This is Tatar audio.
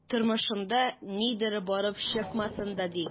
Тормышында нидер барып чыкмасын да, ди...